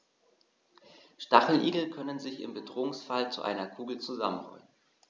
Stacheligel können sich im Bedrohungsfall zu einer Kugel zusammenrollen.